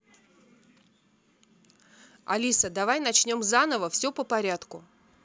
алиса давай начнем заново все по порядку